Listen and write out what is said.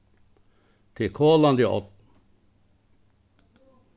tað er kolandi ódn